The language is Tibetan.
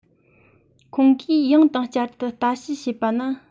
ཁོང གིས ཡང དང བསྐྱར དུ ལྟ དཔྱད བྱས པ ན